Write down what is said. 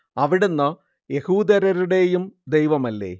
അവിടുന്ന് യഹൂദേതരരുടേയും ദൈവമല്ലേ